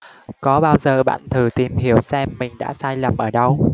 có bao giờ bạn thử tìm hiểu xem mình đã sai lầm ở đâu